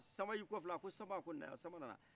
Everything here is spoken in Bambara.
sanba y'i kɔfilɛ a ko sanba nayan sanba nana